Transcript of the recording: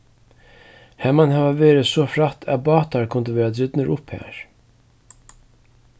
har man hava verið so frægt at bátar kundu verða drignir upp har